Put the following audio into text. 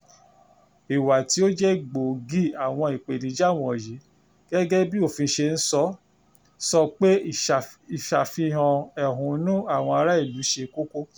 Ìwà tí ó jẹ́ gbòògì àwọn ìpèníjà wọ̀nyí gẹ́gẹ́ bíi òfin ṣe ń sọ, sọ pé ìṣàfihàn ẹ̀honú àwọn ará ìlú ṣe koko.